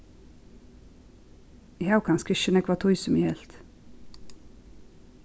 eg havi kanska ikki so nógva tíð sum eg helt